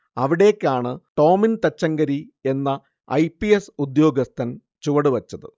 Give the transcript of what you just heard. അവിടേക്കാണ് ടോമിൻ തച്ചങ്കരി എന്ന I P S ഉദ്യോഗസ്ഥൻ ചുവടുവെച്ചത്